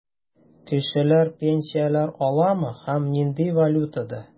Кешеләр пенсияләр аламы һәм нинди валютада?